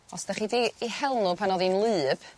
os 'dach chi 'di 'u hel n'w pan o'dd 'i'n wlyb